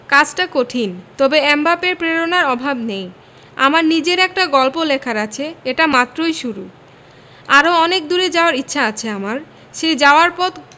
কাজটা কঠিন তবে এমবাপ্পের প্রেরণার অভাব নেই আমার নিজের একটা গল্প লেখার আছে এটা মাত্রই শুরু আরও অনেক দূর যাওয়ার ইচ্ছা আছে আমার সেই যাওয়ার পথ